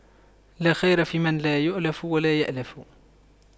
لا خير فيمن لا يَأْلَفُ ولا يؤلف